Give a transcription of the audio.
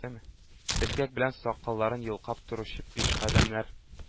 Эскәк белән сакалларын йолкып торучы пишкадәмнәр,